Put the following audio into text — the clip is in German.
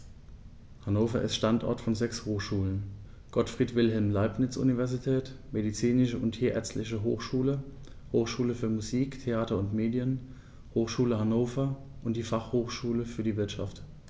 Hannover ist Standort von sechs Hochschulen: Gottfried Wilhelm Leibniz Universität, Medizinische und Tierärztliche Hochschule, Hochschule für Musik, Theater und Medien, Hochschule Hannover und die Fachhochschule für die Wirtschaft.